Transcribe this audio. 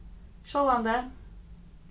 sjálvandi